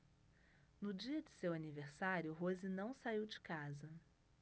no dia de seu aniversário rose não saiu de casa